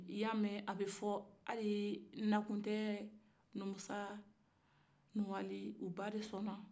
n'i y'a mɛn a bɛ fɔ hali nakutɛ numusa muwali u ba te sɔnnɔ